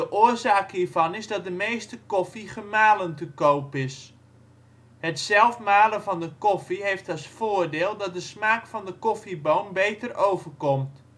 oorzaak hiervan is dat de meeste koffie gemalen te koop is. Het zelf malen van de koffie heeft als voordeel dat de smaak van de koffieboon beter overkomt. Gemalen